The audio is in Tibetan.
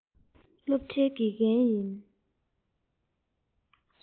སློབ གྲྭའི དགེ རྒན ཡིན